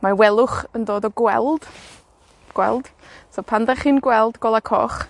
Mae welwch yn dod o gweld, gweld. So, pan 'dach chi'n gweld gola' coch,